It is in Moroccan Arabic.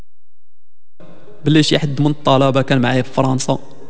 بليز احد من طلبه كان معي فرنسا